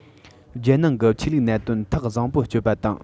རྒྱལ ནང གི ཆོས ལུགས གནད དོན ཐག བཟང པོ གཅོད པ དང